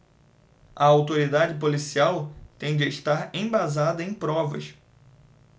a autoridade policial tem de estar embasada em provas